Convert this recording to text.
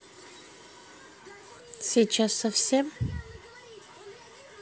сейчас совсем